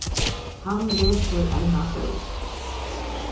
hann lesur eina bók